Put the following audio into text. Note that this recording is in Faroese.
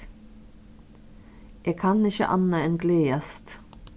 eg kann ikki annað enn gleðast